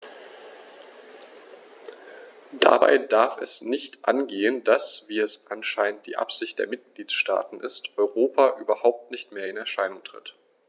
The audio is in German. Dabei darf es nicht angehen, dass - wie es anscheinend die Absicht der Mitgliedsstaaten ist - Europa überhaupt nicht mehr in Erscheinung tritt.